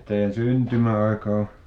ja teidän syntymäaika on